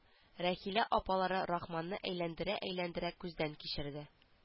Рәхилә апалары рахманны әйләндерә-әйләндерә күздән кичерде